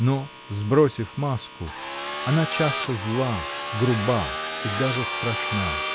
Но, сбросив маску, она часто зла, груба и даже страшна.